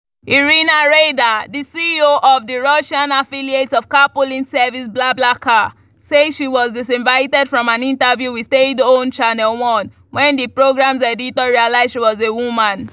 Irina Reyder, the CEO of the Russian affiliate of carpooling service BlaBlaCar, says she was disinvited from an interview with state-owned Channel One when the program’s editor realized she was a woman.